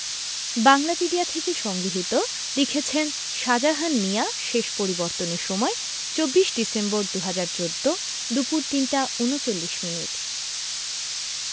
বাংলাপিডিয়া থেকে সংগৃহীত লিখেছেনঃ সাজাহান মিয়া শেষ পরিবর্তনের সময় ২৪ ডিসেম্বর ২০১৪ দুপুর ৩টা ৩৯মিনিট